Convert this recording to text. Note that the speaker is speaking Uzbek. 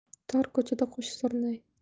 tor ko'chaga qo'sh surnay